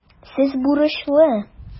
Сез бурычлы.